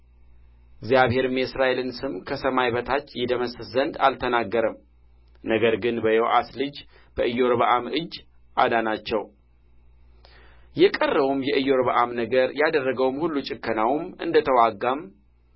እግዚአብሔርም የእስራኤልን ስም ከሰማይ በታች ይደመስስ ዘንድ አልተናገረም ነገር ግን በዮአስ ልጅ በኢዮርብዓም እጅ አዳናቸው የቀረውም የኢዮርብዓም ነገር ያደረገውም ሁሉ ጭከናውም እንደ ተዋጋም